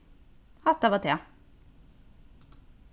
hatta var tað